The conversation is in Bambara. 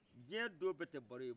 jiɲɛ don bɛ tɛ baro ye